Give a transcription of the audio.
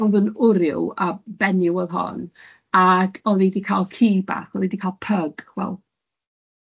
o'dd yn wryw, a benyw o'dd hon, ag o'dd 'i di cael ci bach, o'dd 'i di cal pyg, wel